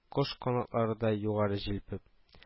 Кош канатларыдай югары җилпеп